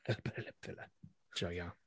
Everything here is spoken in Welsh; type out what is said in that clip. "A little bit of lip filler!" Joio.